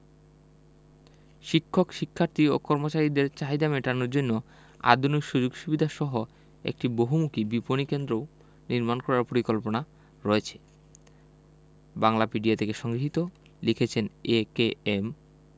শিক্ষক শিক্ষার্থী ও কর্মচারীদের চাহিদা মেটানোর জন্য আধুনিক সুযোগ সুবিধাসহ একটি বহুমুখী বিপণি কেন্দ্রও নির্মাণ করার পরিকল্পনা রয়েছে বাংলাপিডিয়া থেকে সংগৃহীত লিখেছেনঃ এ.কে.এম